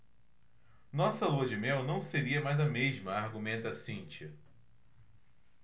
nossa lua-de-mel não seria mais a mesma argumenta cíntia